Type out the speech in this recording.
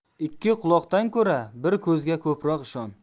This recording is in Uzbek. ikki quloqdan ko'ra bir ko'zga ko'proq ishon